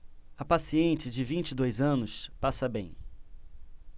a paciente de vinte e dois anos passa bem